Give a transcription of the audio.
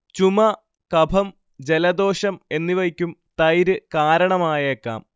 ചുമ, കഫം, ജലദോഷം എന്നിവയ്ക്കും തൈര് കാരണമായേക്കാം